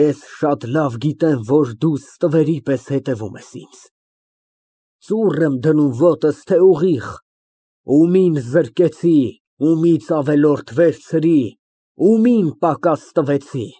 Ես շատ լավ գիտեմ, որ դու ստվերի պես հետևում ես ինձ, ծուռ եմ դնում ոտս, թե՞ ուղիղ, ումի՞ն զրկեցի, ումի՞ց ավելորդ վերցրի, ումի՞ն պակաս տվեցի։